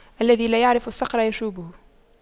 الذي لا يعرف الصقر يشويه